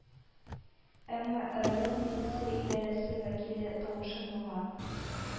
Әмма район милиция идарәсе вәкиле, тавышын моңа